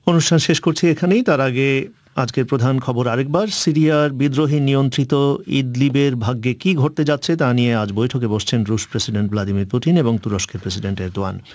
অনুষ্ঠান শেষ করছি এখানে তার আগে আজকের প্রধান খবর আরেকবার সিরিয়া বিদ্রোহী জীত ইদলিব এর ভাগ্যে কী ঘটতে যাচ্ছে তা নিয়ে আজ বৈঠকে বসতে যাচ্ছেন রুশ প্রেসিডেন্ট ভ্লাদিমির পুতিন এবং তুরস্কের প্রেসিডেন্ট এরদোয়ান